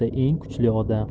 eng kuchli odam